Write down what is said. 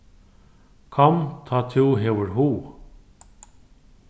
kom tá tú hevur hug